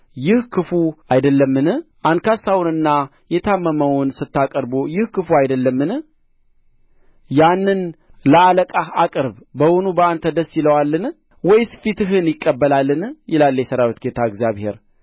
ይህ ክፉ አይደለምን አንካሳውንና የታመመውን ስታቀርቡ ይህ ክፉ አይደለምን ያንን ለአለቃህ አቅርብ በውኑ በአንተ ደስ ይለዋልን ወይስ ፊትህን ይቀበላልን ይላል የሠራዊት ጌታ እግዚአብሔር